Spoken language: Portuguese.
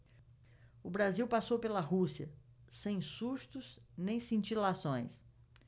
o brasil passou pela rússia sem sustos nem cintilações